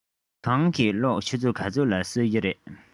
ཉལ ཁང གི གློག ཆུ ཚོད ག ཚོད ལ གསོད ཀྱི རེད